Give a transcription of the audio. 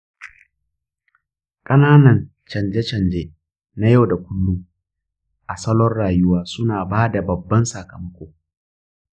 ƙananan canje-canje na yau da kullun a salon rayuwa suna bada baban sakamako.